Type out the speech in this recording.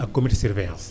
am comité surveillance